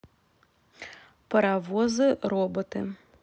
паровозы роботы